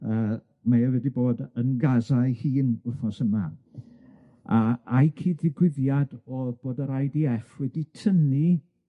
Yy mae o wedi bod yn Gaza ei hun wthnos yma a a'i cyd-ddigwyddiad o'dd bod yr I Dee Eff wedi tynnu